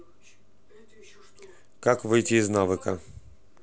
как выйти из навыка